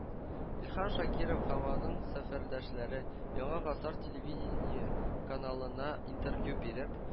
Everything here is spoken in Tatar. Илһам Шакиров һәм аның сәфәрдәшләре “Яңа гасыр” телевидение каналына интервью биреп